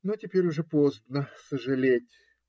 Но теперь уже поздно сожалеть.